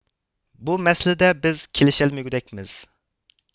بۇ مەسىلىدە بىز كېلىشەلمىگۈدەكمىز